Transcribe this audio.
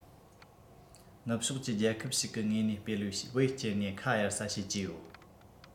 ནུབ ཕྱོགས ཀྱི རྒྱལ ཁབ ཞིག གི ངོས ནས སྤེལ བའི བེད སྤྱད ནས ཁ གཡར ས བྱེད ཀྱི ཡོད